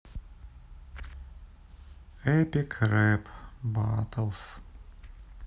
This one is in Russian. эпик рэп батлс